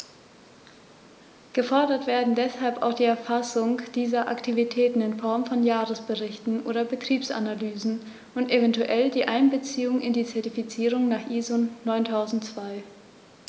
Gefordert werden deshalb auch die Erfassung dieser Aktivitäten in Form von Jahresberichten oder Betriebsanalysen und eventuell die Einbeziehung in die Zertifizierung nach ISO 9002.